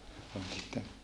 oli niitä